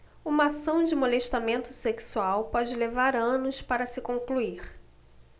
uma ação de molestamento sexual pode levar anos para se concluir